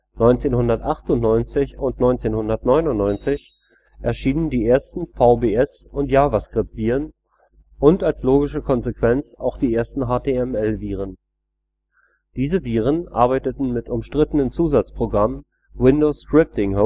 1998 und 1999 erschienen die ersten VBS - und JavaScript-Viren und als logische Konsequenz auch die ersten HTML-Viren. Diese Viren arbeiteten mit dem umstrittenen Zusatzprogramm „ Windows Scripting